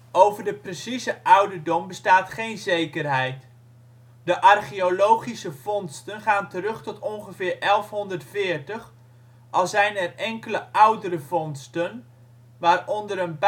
Over de precieze ouderdom bestaat geen zekerheid. De archeologische vondsten gaan terug tot ongeveer 1140, al zijn er enkele oudere vondsten (waaronder een